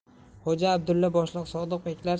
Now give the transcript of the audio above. xo'ja abdulla boshliq sodiq beklar